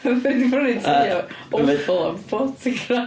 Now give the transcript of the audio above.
Fedri 'di prynu tŷ awful am forty grand.